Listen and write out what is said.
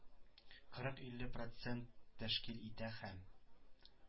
Кырык илле процент тәшкил итә һәм